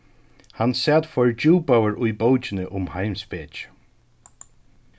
hann sat fordjúpaður í bókini um heimspeki